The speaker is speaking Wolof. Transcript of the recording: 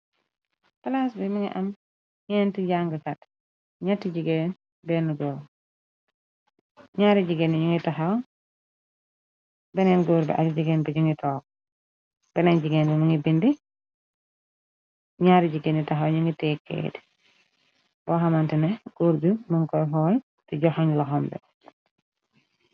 Palaas bi mi ngi am ñeenti jàngkat ñaari jigeni ñuni txaw beneen gór bi ak jigeen bi ju ngi tok jigéen bimgi bind ñari jigéeni taxaw ñu ngi tékkeeti bo xamante ne guur du mën koy xooñ te joxañ laxam be.